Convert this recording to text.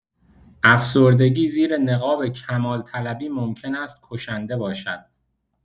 افسردگی زیر نقاب کمال‌طلبی ممکن است کشنده باشد.